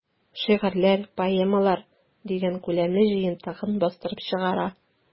"шигырьләр, поэмалар” дигән күләмле җыентыгын бастырып чыгара.